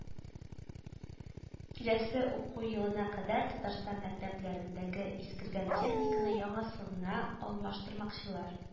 Киләсе уку елына кадәр Татарстан мәктәпләрендәге искергән техниканы яңасына алмаштырмакчылар